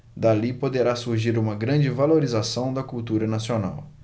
dali poderá surgir uma grande valorização da cultura nacional